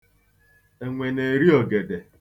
Enwe na-eri ogede.